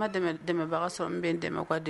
Dɛmɛbaga sɔrɔ n bɛn tɛmɛ' di